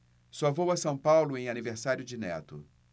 só vou a são paulo em aniversário de neto